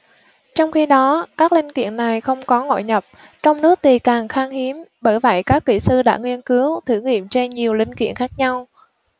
trong khi đó các linh kiện này không có ngoại nhập trong nước thì càng khan hiếm bởi vậy các kỹ sư đã nghiên cứu thử nghiệm trên nhiều linh kiện khác nhau